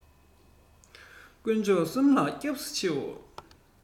ཀུན མཆོག གསུམ ལ སྐྱབས སུ འཆིའོ